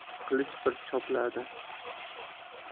qilich bir chopiladi